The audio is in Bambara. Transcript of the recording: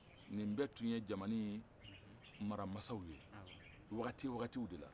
nin bɛɛ tun ye jamana in maara masaw ye waati waati de la